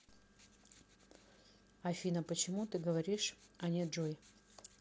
афина почему ты говоришь а не джой